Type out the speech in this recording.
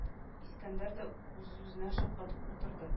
Искәндәр дә үз-үзенә шаккатып утырды